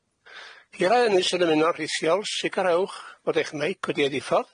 Hira sy'n ymuno'r rhesiol sicarahewch fod eich meic wedi'i ddiffodd.